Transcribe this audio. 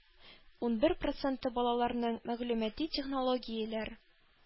Унбер проценты балаларының мәгълүмати технологияләр,